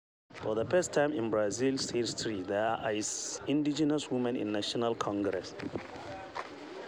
For the first time in Brazil's history, there is an indigenous woman in the National Congress